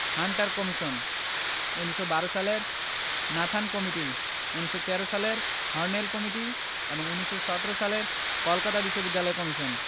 Hunter commission ১৯১২ সালের Nathan committee ১৯১৩ সালের Hornell committee এবং ১৯১৭ সালের কলকাতা বিশ্ববিদ্যালয় কমিশন